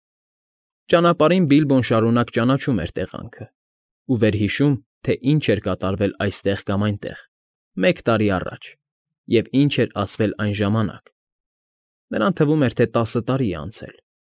Ճանապարհին Բիլբոն շարունակ ճանաչում էր տեղանքն ու վերհիշում, թե ինչ էր կատարվել այստեղ կամ այնտեղ մեկ տարի առաջ և ինչ էր ասվել այն ժամանակ (նրան թվում էր, թե տասը տարի է անցել)։